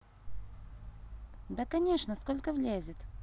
да конечно сколько влезет